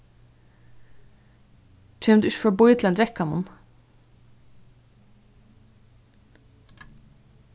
kemur tú ikki forbí til ein drekkamunn